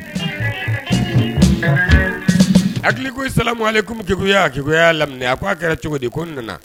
A hakili i sama ale kunkekuya a hakikuyaa laminɛ a ko a kɛra cogo di ko nana